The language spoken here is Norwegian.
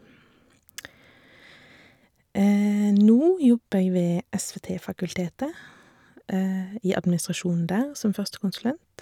Nå jobber jeg ved SVT-fakultetet, i administrasjonen der, som førstekonsulent.